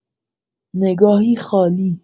نگاهی خالی